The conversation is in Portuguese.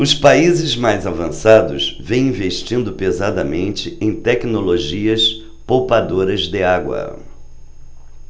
os países mais avançados vêm investindo pesadamente em tecnologias poupadoras de água